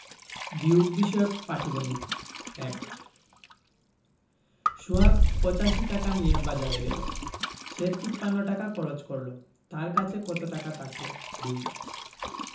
বিয়োগ বিষয়ক পাটিগনিতঃ ১ সোহাগ ৮৫ টাকা নিয়ে বাজারে গেল সে ৫৩ টাকা খরচ করল তার কাছে কত টাকা থাকল ২